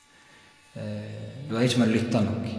Da har ikke man lytta nok.